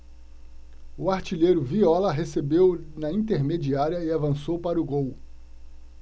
o artilheiro viola recebeu na intermediária e avançou para o gol